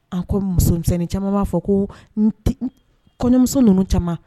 An ko musomisɛnnin caman b'a fɔ ko kɔɲɔmuso ninnu caman